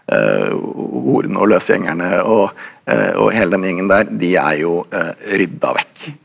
horene og løsgjengerne og og hele den gjengen der, de er jo rydda vekk.